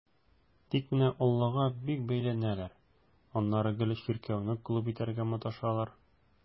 Тик менә аллага бик бәйләнәләр, аннары гел чиркәүне клуб итәргә маташалар.